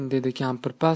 dedi kampir past